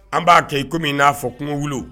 An b'a kɛ kɔmi min n'a fɔ kungo wolo